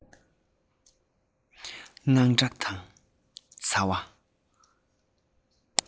དངངས སྐྲག དང ཚ བ